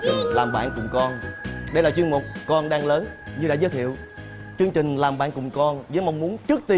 làm bạn cùng con đây là chuyên mục con đang lớn như đã giới thiệu chương trình làm bạn cùng con với mong muốn trước tiên